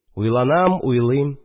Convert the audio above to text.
Уйланам, уйлыйм